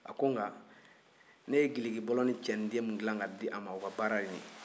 a ko nka ne ye ngilikibɔlɔ ni cɛninden min dilan ka di a ma o ka baara de ye nin ye